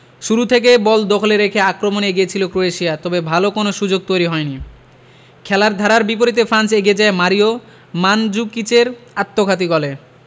শুরু থেকে বল দখলে রেখে আক্রমণে এগিয়ে ছিল ক্রোয়েশিয়া তবে ভালো কোনো সুযোগ তৈরি হয়নি খেলার ধারার বিপরীতে ফ্রান্স এগিয়ে যায় মারিও মানজুকিচের আত্মঘাতী গোলে